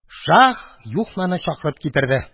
Шаһ Юхнаны чакыртып китерде.